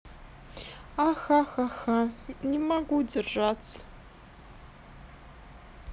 ахахаха не могу держаться